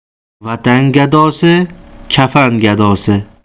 vatan gadosi kafan gadosi